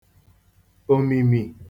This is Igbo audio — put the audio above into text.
òmìmì